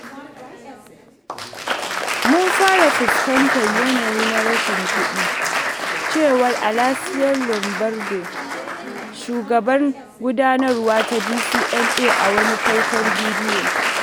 Mun [fara] fuskantar yanayi na rashin kuɗi cewar Alessia Lombardo, shugabar gudanarwa ta DCMA a wani faifan bidiyo.